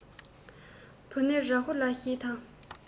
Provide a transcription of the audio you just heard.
བུ ནི རཱ ཧུ ལ ཞེས དང